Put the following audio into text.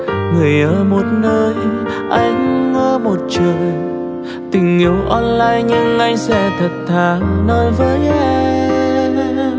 người ở một nơi anh ở một trời tình yêu online nhưng anh sẽ thật thà nói với em